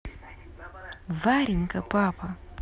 варенька папа